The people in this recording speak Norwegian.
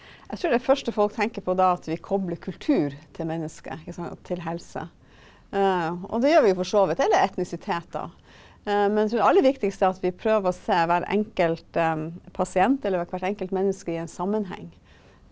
jeg trur det første folk tenker på da at vi kobler kultur til mennesker ikke sant til helse, og det gjør vi jo for så vidt eller etnisiteter men trur det aller viktigste er at vi prøver å se hver enkelt pasient eller hvert enkelt menneske i en sammenheng.